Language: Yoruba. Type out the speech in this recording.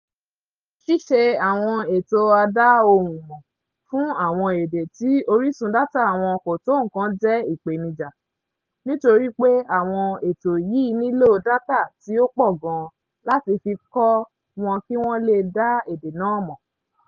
Ṣíṣe àwọn ètò a dá-ohùn-mọ̀ fún àwọn èdè tí orísun dátà wọn kò tó nǹkan jẹ́ ìpèníjà, nítorí pé àwọn ètò yìí nílò dátà tí ó pọ̀ gan-an láti fi "kọ́" wọn kí wọ́n le dá èdè náà mọ̀.